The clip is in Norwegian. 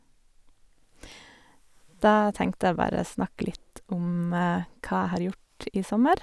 Da tenkte jeg bare snakke litt om hva jeg har gjort i sommer.